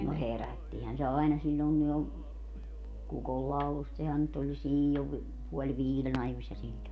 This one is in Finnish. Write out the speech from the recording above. no herättihän se aina silloinkin jo kukonlaulusta sehän nyt oli jo silloin puoli viiden ajoissa silloin